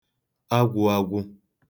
agwụ̄āgwụ̄